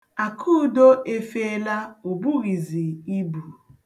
Akudo efeela, o bughizi ibu.